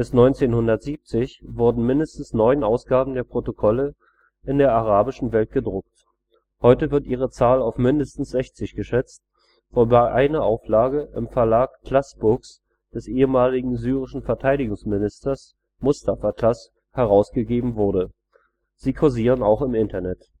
1970 wurden mindestens neun Ausgaben der Protokolle in der arabischen Welt gedruckt. Heute wird ihre Zahl auf mindestens 60 geschätzt, wobei eine Auflage im Verlag Tlass Books des ehemaligen syrischen Verteidigungsministers Mustafa Tlass herausgegeben wurde. Sie kursieren auch im Internet